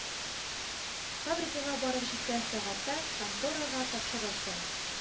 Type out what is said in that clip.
Фабрикага барып җиткән сәгатьтә конторага тапшырырсың.